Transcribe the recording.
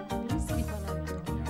A se kɔnɔ